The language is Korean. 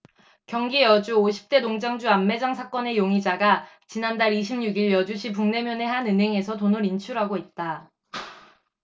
경기 여주 오십 대 농장주 암매장 사건의 용의자가 지난달 이십 육 일 여주시 북내면의 한 은행에서 돈을 인출하고 있다